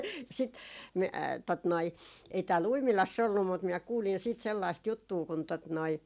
ja sitten - tuota noin ei täällä Uimilassa ollut mutta minä kuulin sitten sellaista juttua kun tuota noin